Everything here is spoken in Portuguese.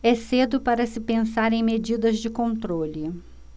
é cedo para se pensar em medidas de controle